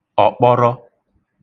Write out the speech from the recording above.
ọ̀kpọrọ